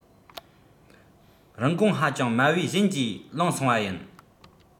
རིན གོང ཧ ཅང དམའ བོས གཞན གྱིས བླངས སོང བ ཡིན